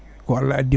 ko Allah addimo